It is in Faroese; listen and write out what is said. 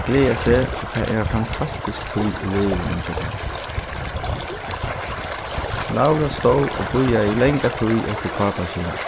tey gleða seg og tað er ein fantastisk tíð í lívinum hjá teimum laura stóð og bíðaði í langa tíð eftir pápa sínum